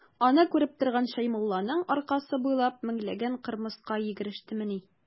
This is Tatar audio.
Аны күреп торган Шәймулланың аркасы буйлап меңләгән кырмыска йөгерештемени.